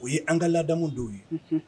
O ye an ka ladamu dɔw ye